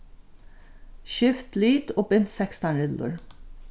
skift lit og bint sekstan rillur